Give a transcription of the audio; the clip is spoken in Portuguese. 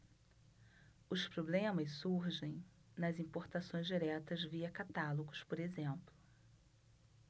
os problemas surgem nas importações diretas via catálogos por exemplo